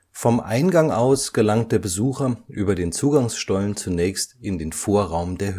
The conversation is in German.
Vom Eingang aus gelangt der Besucher über den Zugangsstollen zunächst in den Vorraum der